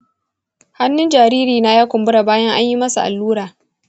hannun jaririna ya kumbura bayan anyi masa allura.